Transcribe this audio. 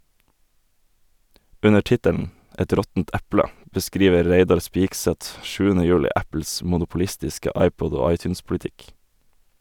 Under tittelen "Et råttent eple" beskriver Reidar Spigseth 7. juli Apples monopolistiske iPod- og iTunes-politikk.